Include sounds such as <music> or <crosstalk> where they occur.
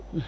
<hesitation> <hesitation>